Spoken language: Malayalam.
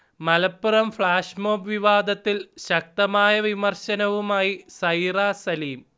മലപ്പുറം ഫ്ളാഷ് മോബ് വിവാദത്തിൽ ശക്തമായ വിമർശനവുമായി സൈറ സലീം